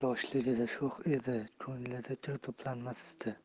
yoshligida sho'x edi ko'nglida kir to'planmasdi